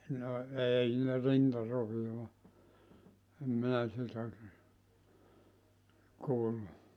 no ei ne rintaroviota en minä sitä kuullut